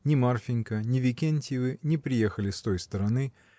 Ни Марфинька, ни Викентьевы не приехали с той стороны.